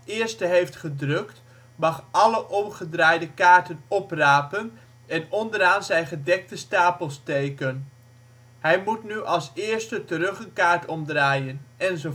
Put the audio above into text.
eerste heeft gedrukt mag alle omgedraaide kaarten oprapen en onderaan zijn gedekte stapel steken. Hij moet nu als eerste terug een kaart omdraaien. enz